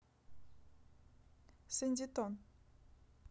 сэндитон